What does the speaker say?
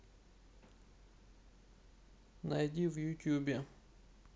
найди в ютубе